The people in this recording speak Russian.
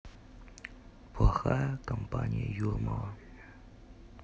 плохая компания юрмала